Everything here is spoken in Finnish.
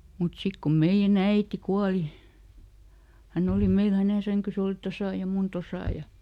mutta sitten kun meidän äiti kuoli hän oli meillä hänen sänkynsä oli tuossa ja minun tuossa ja